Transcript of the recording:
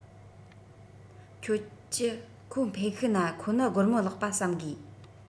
ཁྱེད ཀྱི ཁོ འཕེལ ཤུགས ན ཁོ ནི སྒོར མོ བརླག པ བསམ དགོས